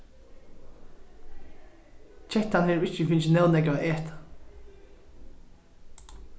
kettan hevur ikki fingið nóg nógv at eta